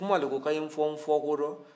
kuma de ko a' ye n fɔ n fɔ ko don